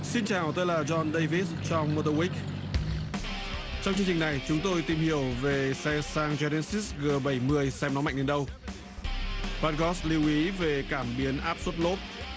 xin chào tôi là gion đây vít cho mô tô ích trong chương trình này chúng tôi tìm hiểu về xe sang de ne sít gờ bảy mươi xem nó mạnh đến đâu bạn phan gót lưu ý về cảm biến áp suất lốp